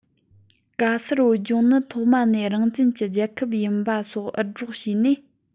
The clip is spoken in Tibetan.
ག སར བོད ལྗོངས ནི ཐོག མ ནས རང བཙན གྱི རྒྱལ ཁབ ཡིན པ སོགས འུར སྒྲོག བྱས ནས